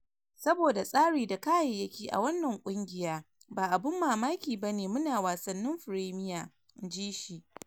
Saboda tsari da kayayyaki a wannan kungiya, ba abun mamaki ba ne mu na Wassanin Fremiya, "in ji shi.